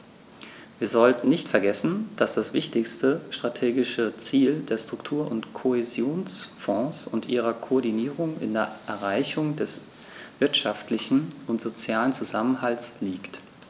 Wir sollten nicht vergessen, dass das wichtigste strategische Ziel der Struktur- und Kohäsionsfonds und ihrer Koordinierung in der Erreichung des wirtschaftlichen und sozialen Zusammenhalts liegt.